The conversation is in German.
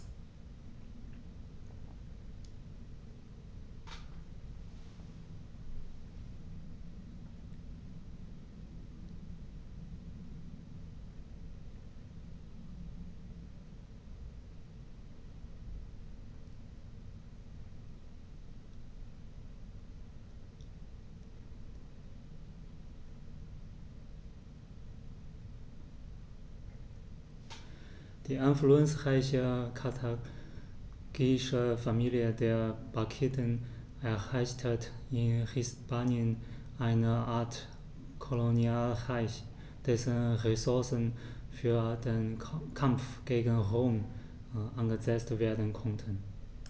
Die einflussreiche karthagische Familie der Barkiden errichtete in Hispanien eine Art Kolonialreich, dessen Ressourcen für den Kampf gegen Rom eingesetzt werden konnten.